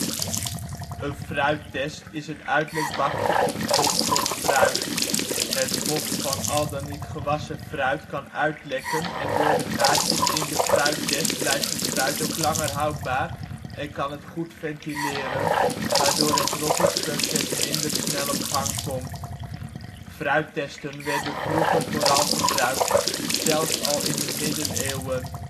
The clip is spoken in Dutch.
fruittest is een uitlekbakje of pot voor fruit. Het vocht van al dan niet gewassen fruit kan uitlekken en door de gaatjes in de fruittest blijft het fruit ook langer houdbaar en kan het goed ventileren waardoor het rottingsproces minder snel op gang komt. Fruittesten werden vooral vroeger gebruikt, zelfs al in de middeleeuwen